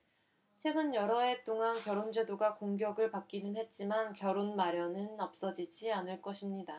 최근 여러 해 동안 결혼 제도가 공격을 받기는 했지만 결혼 마련은 없어지지 않을 것입니다